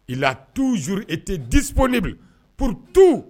I la tuuz e tɛ dipbo ne bi p tuu